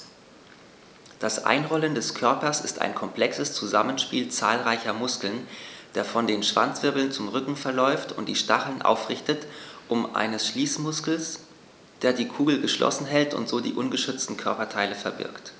Das Einrollen des Körpers ist ein komplexes Zusammenspiel zahlreicher Muskeln, der von den Schwanzwirbeln zum Rücken verläuft und die Stacheln aufrichtet, und eines Schließmuskels, der die Kugel geschlossen hält und so die ungeschützten Körperteile verbirgt.